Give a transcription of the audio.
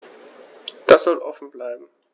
Das soll offen bleiben.